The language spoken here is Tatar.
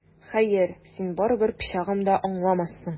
Хәер, син барыбер пычагым да аңламассың!